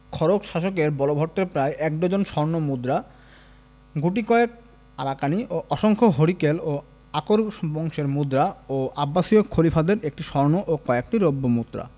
খড়গ শাসক বলভট্টের প্রায় এক ডজন স্বর্ণ মুদ্রা গুটি কয়েক আরাকানি ও অসংখ্য হরিকেল ও আকর বংশের মুদ্রা এবং আব্বাসীয় খলিফাদের একটি স্বর্ণ ও কয়েকটি রৌপ্য মুদ্রা